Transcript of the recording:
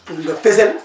pour nga fësal